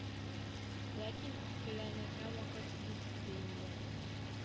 Ләкин икеләнергә вакыт юк иде инде